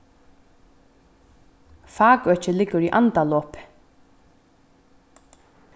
fakøkið liggur í andalopi